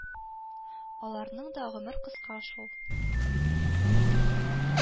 Аларның да гомер кыска шул